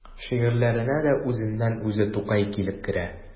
Шигырьләренә дә үзеннән-үзе Тукай килеп керә.